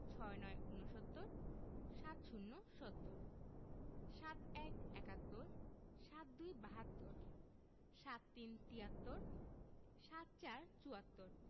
৬৯ ঊনসত্তর ৭০ সত্তর ৭১ একাত্তর ৭২ বাহাত্তর ৭৩ তিয়াত্তর ৭৪ চুয়াত্তর